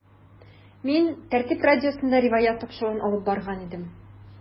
“мин “тәртип” радиосында “риваять” тапшыруын алып барган идем.